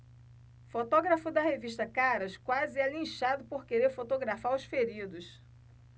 fotógrafo da revista caras quase é linchado por querer fotografar os feridos